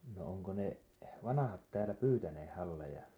no onko ne vanhat täällä pyytäneet halleja